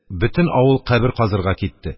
Бөтен авыл кабер казырга китте.